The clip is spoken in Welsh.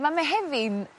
Ma' Mehefin